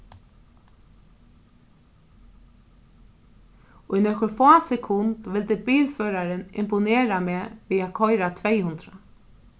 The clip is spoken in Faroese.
í nøkur fá sekund vildi bilførarin imponera meg við at koyra tvey hundrað